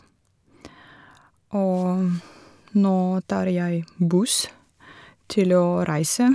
Og nå tar jeg buss til å reise.